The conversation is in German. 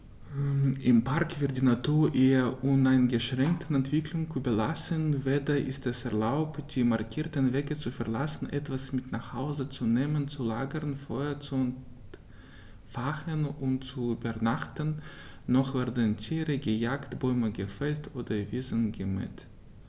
Im Park wird die Natur ihrer uneingeschränkten Entwicklung überlassen; weder ist es erlaubt, die markierten Wege zu verlassen, etwas mit nach Hause zu nehmen, zu lagern, Feuer zu entfachen und zu übernachten, noch werden Tiere gejagt, Bäume gefällt oder Wiesen gemäht.